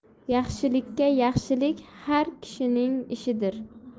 yaxshilikka yaxshilik har kishining ishidir